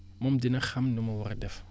moom dina xam lu mu war a def